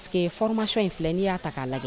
Pa parceri que fmasi in filɛ n' y'a ta'a lajɛ